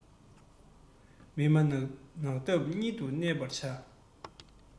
མི སྨྲ ནགས འདབས ཉིད དུ གནས པར བྱ